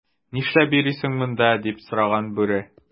"нишләп йөрисең монда,” - дип сораган бүре.